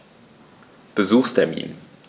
Besuchstermin